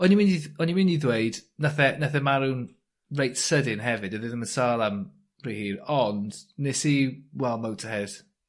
...o'n i myn' i dd- o'n i myn' i ddweud nath e nath e marw'n reit sydyn hefyd do'dd e ddim yn sâl am rhy hir. Ond nes i weld Motorhead